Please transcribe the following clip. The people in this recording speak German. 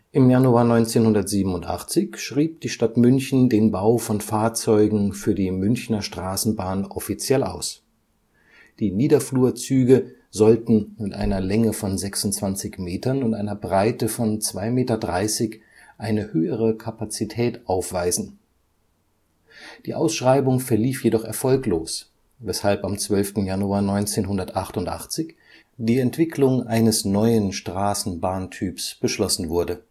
Im Januar 1987 schrieb die Stadt München den Bau von Fahrzeugen für die Münchner Straßenbahn offiziell aus. Die Niederflurzüge sollten mit einer Länge von 26 Metern und einer Breite von 2,3 Metern eine höhere Kapazität aufweisen. Die Ausschreibung verlief jedoch erfolglos, weshalb am 12. Januar 1988 die Entwicklung eines neuen Straßenbahntyps beschlossen wurde